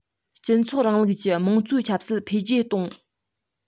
སྤྱི ཚོགས རིང ལུགས ཀྱི དམངས གཙོའི ཆབ སྲིད འཕེལ རྒྱས གཏོང